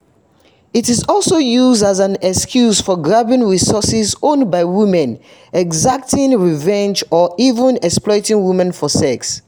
It is also used as an excuse for grabbing resources owned by women, exacting revenge or even exploiting women for sex.